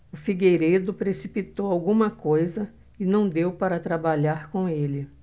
o figueiredo precipitou alguma coisa e não deu para trabalhar com ele